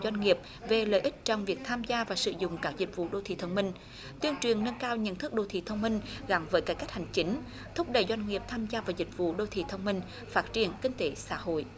doanh nghiệp về lợi ích trong việc tham gia và sử dụng các dịch vụ đô thị thông minh tuyên truyền nâng cao nhận thức đô thị thông minh gắn với cải cách hành chính thúc đẩy doanh nghiệp tham gia vào dịch vụ đô thị thông minh phát triển kinh tế xã hội